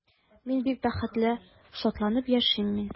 Мин бик бәхетле, шатланып яшим мин.